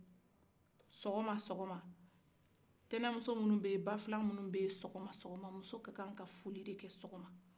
sɔgɔma sɔgɔma tɛnɛ muso minu ben ba filan minu ben sɔgɔma sɔgɔma muso ka kan ka foli de kɛ